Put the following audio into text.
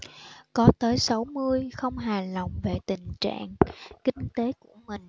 có tới sáu mươi không hài lòng về tình trạng kinh tế của mình